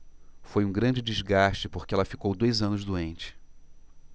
foi um grande desgaste porque ela ficou dois anos doente